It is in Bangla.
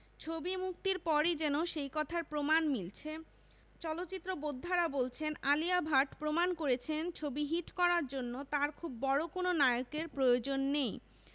ছবি মুক্তির পরই যেন সেই কথার প্রমাণ মিলছে চলচ্চিত্র বোদ্ধারা বলছেন আলিয়া ভাট প্রমাণ করেছেন ছবি হিট করার জন্য তার খুব বড় কোনো নায়কের প্রয়োজন নেই